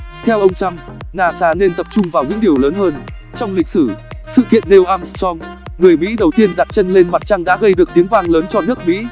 theo ông trump nasa nên tập trung vào những diều lớn hơn trong lịch sử sự kiện neil armstrong người mỹ đầu tiên đặt chân lên mặt trăng đã gây được tiếng vang lớn cho nước mỹ